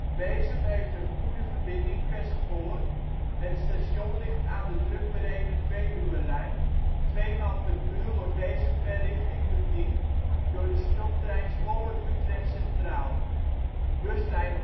Wezep heeft een goede verbinding per spoor, het station ligt aan de drukbereden Veluwelijn: tweemaal per uur wordt Wezep per richting bediend door de stoptrein Zwolle - Utrecht Centraal. Buslijn